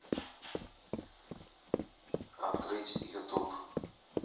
открыть ютуб